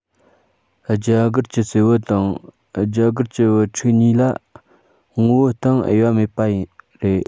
རྒྱ གར གྱི སྲས པོ དང རྒྱ གར གྱི བུ ཕྲུག གཉིས ལ ངོ བོའི སྟེང དབྱེ བ མེད པ རེད